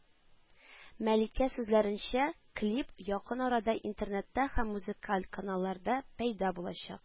Мәликә сүзләренчә, клип якын арада интернетта һәм музыкаль каналларда пәйда булачак